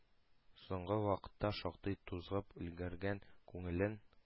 Соңгы вакытта шактый тузгып өлгергән күңелен